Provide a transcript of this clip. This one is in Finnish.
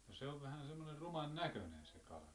no se on vähän semmoinen ruman näköinen se kala